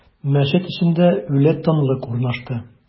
Мәчет эчендә үле тынлык урнашты.